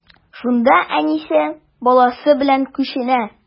Шунда әнисе, баласы белән күченә.